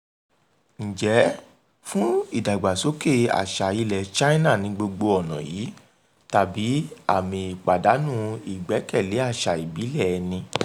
Ǹjẹ́ fún ìdàgbàsókè àṣà ilẹ̀ China ni gbogbo ọ̀nà yìí tàbí àmì ìpàdánù ìgbẹ́kẹ̀lé àṣà ìbílẹ̀ ẹni?